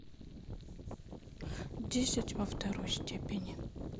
десять во второй степени